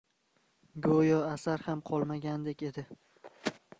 go'yo asar ham qolmagandek edi